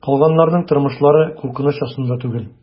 Калганнарның тормышлары куркыныч астында түгел.